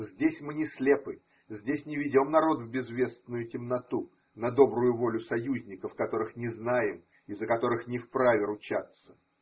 Здесь мы не слепы, здесь не ведем народ в безвестную темноту, на добрую волю союзников, которых не знаем, за которых не вправе ручаться.